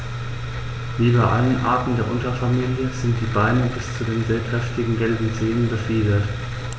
Wie bei allen Arten der Unterfamilie sind die Beine bis zu den sehr kräftigen gelben Zehen befiedert.